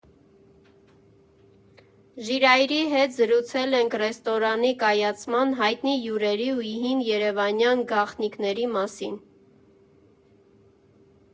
Ժիրայրի հետ զրուցել ենք ռեստորանի կայացման, հայտնի հյուրերի ու հին երևանյան «գաղտնիքների» մասին։